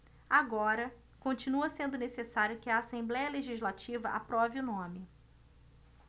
agora continua sendo necessário que a assembléia legislativa aprove o nome